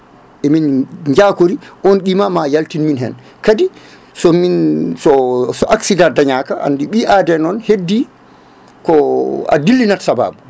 emin jakori on qima ma yaltin min hen kadi somin so accident dañaka andi ɓi aade noon heddi ko a dilli nat saababu